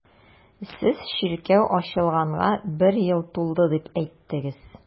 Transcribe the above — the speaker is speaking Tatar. Сез чиркәү ачылганга бер ел тулды дип әйттегез.